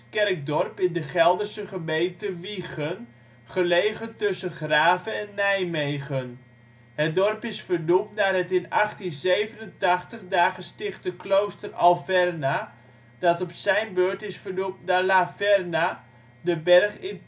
kerkdorp in de Gelderse gemeente Wijchen, gelegen tussen Grave en Nijmegen. Het dorp is vernoemd naar het in 1887 daar gestichte klooster Alverna, dat op zijn beurt is vernoemd naar La Verna, de berg